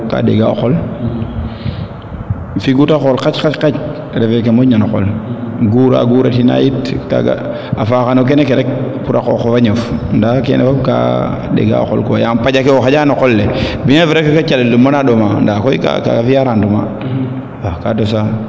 ka ndenga o qol figu te xool qac qac refe ke moƴna no qol guura gura tina yit kaaga a faaxa no kene ke yit pour a qooqa le ñof nda kene fop kaa ndenga o qol quoi yaam a paƴa ke o xaƴa no qol le bien vraiment que calel um ana ɗoma nda koy a fiya rendement ndax ka dosa